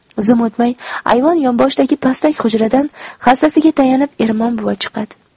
zum o'tmay ayvon yonboshidagi pastak hujradan hassasiga tayanib ermon buva chiqadi